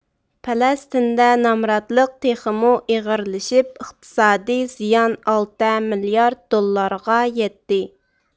پەلەستىندە نامراتلىق تېخىمۇ ئېغىرلىشىپ ئىقتىسادىي زىيان ئالتە مىليارد دوللارغا يەتتى